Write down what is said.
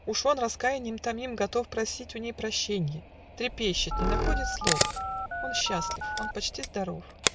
Уж он, раскаяньем томим, Готов просить у ней прощенье, Трепещет, не находит слов, Он счастлив, он почти здоров. ..